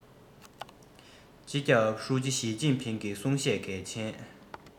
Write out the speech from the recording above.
སྤྱི ཁྱབ ཧྲུའུ ཅི ཞིས ཅིན ཕིང གི གསུང བཤད གལ ཆེན